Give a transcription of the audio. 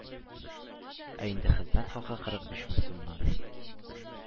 Ә инде хезмәт хакы кырык биш мең сумнан